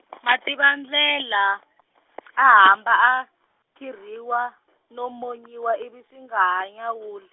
Mativandlela, a hamba a, khirhiwa, no monyiwa ivi swi nga ha nyawul-.